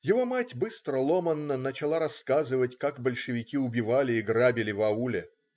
Его мать быстро, ломанно начала рассказывать, как большевики убивали и грабили в ауле.